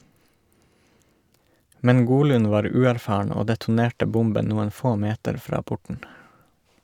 Men Golun var uerfaren og detonerte bomben noen få meter fra porten.